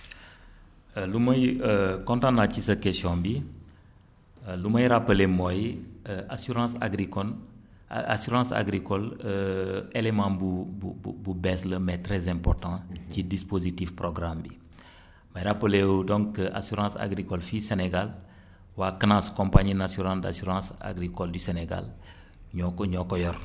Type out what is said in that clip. lu may kontaan naa ci sa question bi lu may rappelé mooy assurance agrocon assurance agricole élément am bu bu bu bees la mais très important ci dispositif programme bi may rappelé donc assuarnce agricole fii Sénégal waa CANAS compagnie nationale d' assurance agricole du sénégal ñoo ko ñoo ko yor